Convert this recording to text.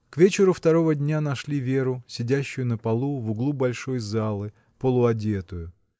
К вечеру второго дня нашли Веру сидящую на полу, в углу большой залы, полуодетую.